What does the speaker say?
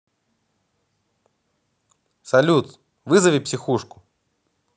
салют вызови психушку